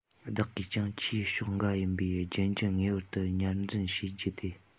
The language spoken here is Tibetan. བདག གིས ཀྱང ཆེས ཕྱོགས འགལ ཡིན པའི རྒྱུད འགྱུར ངེས པར དུ ཉར འཛིན བྱེད རྒྱུ སྟེ